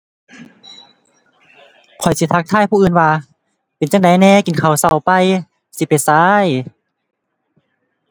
ข้อยสิทักทายผู้อื่นว่า เป็นจั่งใดแหน่ กินข้าวเช้าไป่ สิไปไส